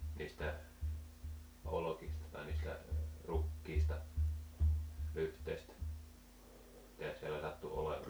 niistä olista tai niistä rukiista lyhteistä mitä siellä sattui olemaan